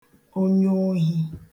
onyoohi